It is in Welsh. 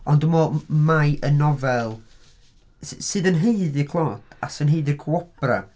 Ond dwi'n meddwl m- mai yn nofel s- sydd yn haeddu clod a sydd yn haeddu gwobrau.